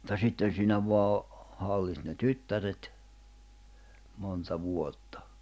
mutta sitten siinä vain - hallitsi ne tyttäret monta vuotta